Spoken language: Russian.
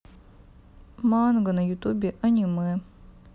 манга на ютубе аниме